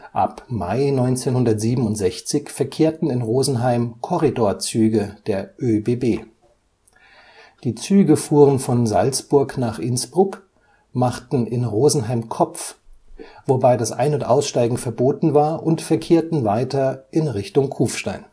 Ab Mai 1967 verkehrten in Rosenheim Korridorzüge der ÖBB. Die Züge fuhren von Salzburg nach Innsbruck, machten in Rosenheim Kopf, wobei das Ein - und Aussteigen verboten war, und verkehrten weiter in Richtung Kufstein